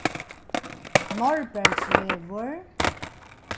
norðbergsvegur